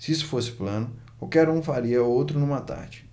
se isso fosse plano qualquer um faria outro numa tarde